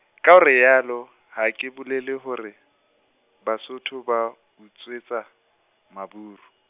ka o re yalo, ha ke bolele hore, Basotho ba utswetsa, Maburu.